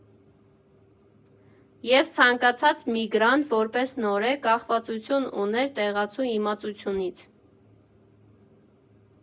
Եվ ցանկացած միգրանտ որպես նորեկ կախվածություն ուներ տեղացու իմացությունից։